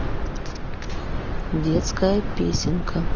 детская песенка